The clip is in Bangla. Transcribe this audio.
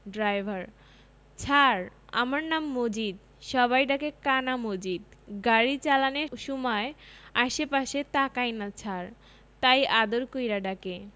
ড্রাইভার ছার আমার নাম মজিদ সবাই ডাকে কানা মজিদ গাড়ি চালানের সুমায় আশে পাশে তাকাইনা ছার তাই আদর কইরা ডাকে